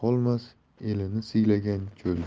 qolmas elini siylagan cho'lda